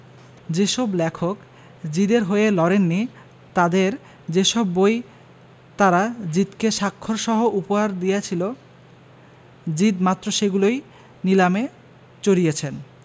যে সব লেখক জিদে র হয়ে লড়েন নি তাঁদের যে সব বই তাঁরা জিদ কে স্বাক্ষরসহ উপহার দিয়েছিল জিদ মাত্র সেগুলোই নিলামে চড়িয়েছেন